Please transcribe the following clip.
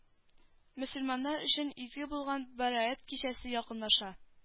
Мөселманнар өчен изге булган бәраәт кичәсе якынлаша